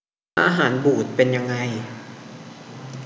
อาหารบูดเป็นยังไง